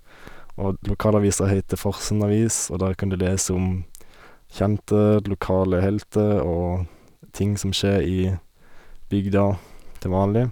Og d lokalavisa heiter Farsund Avis, og der kan du lese om kjente lokale helter og ting som skjer i bygda til vanlig.